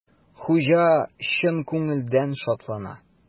Хуҗа чын күңелдән шатлана.